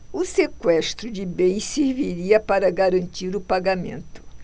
o sequestro de bens serviria para garantir o pagamento